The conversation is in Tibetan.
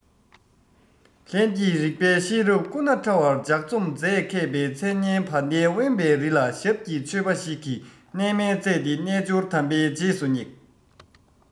ལྷན སྐྱེས རིགས པའི ཤེས རབ སྐུ ན ཕྲ བར ལྗགས རྩོམ མཛད མཁས པའི མཚན སྙན བ དན དབེན པའི རི ལ ཞབས ཀྱིས ཆོས པ ཞིག གི གནས མལ བཙལ ཏེ རྣལ འབྱོར དམ པའི རྗེས སུ བསྙེགས